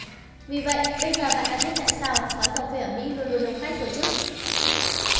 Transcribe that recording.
vì vậy bây giờ bạn đã biết tại sao quán cà phê ở mỹ luôn luôn đông khách rồi chứ